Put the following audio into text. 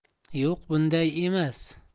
yo'q bunday emas